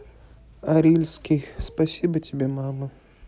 арильский спасибо тебе мама